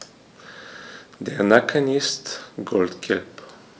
Der Nacken ist goldgelb.